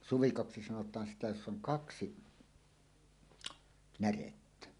suvikoksi sanotaan sitä jossa on kaksi närettä